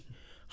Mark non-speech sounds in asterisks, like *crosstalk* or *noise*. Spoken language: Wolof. *hesitation*